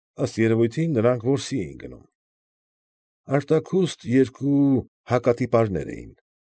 Ըստ երևույթին, նրանք որսի էին գնում։ Արտաքուստ երկու հակատիպարներ էին։